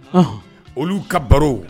Ɔnhɔn olu ka baro